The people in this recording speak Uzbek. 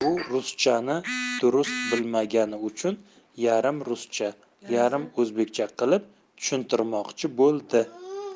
u ruschani durust bilmagani uchun yarim ruscha yarim o'zbekcha qilib tushuntirmoqchi bo'ldi